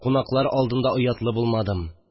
Кунаклар алдында оятлы булмадым